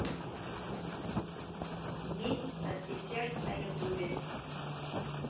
месть на десерт на ютубе